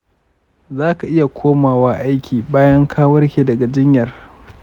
zaka iya komawa aiki bayan ka warke daga jinyar.